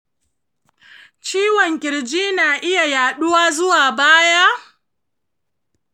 ciwon kirji na iya yaɗuwa zuwa baya?